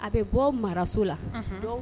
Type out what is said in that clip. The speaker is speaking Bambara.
A bɛ bɔ maraso la, unhun, donc